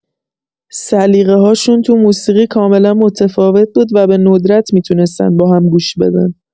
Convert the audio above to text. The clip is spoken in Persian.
سلیقه‌هاشون تو موسیقی کاملا متفاوت بود و به‌ندرت می‌تونستن با هم گوش بدن.